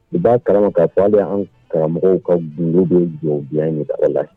I b'a karama ka fɔ bɛ an karamɔgɔ ka dunun bɛ jɔ bi ni kala la